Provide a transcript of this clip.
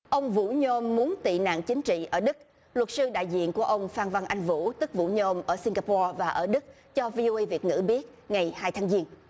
ông vũ nhôm muốn tị nạn chính trị ở đức luật sư đại diện của ông phan văn anh vũ tức vũ nhôm ở xin ga po và ở đức cho vi ô ây việt ngữ biết ngày hai tháng giêng